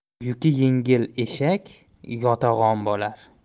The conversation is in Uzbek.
yuki yengil eshak yotag'on bo'lar